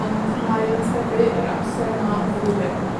ond mae o'n tyfu yr amser yma o'r flwyddyn.